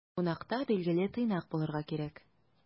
Кунакта, билгеле, тыйнак булырга кирәк.